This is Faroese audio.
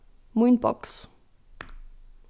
mínboks